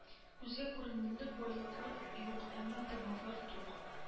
Күзгә күренерлек байлыклары юк әмма тамаклары тук